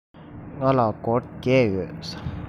ང ལ སྒོར བརྒྱད ཡོད